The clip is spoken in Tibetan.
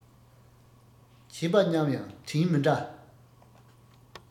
བྱས པ མཉམ ཡང དྲིན མི འདྲ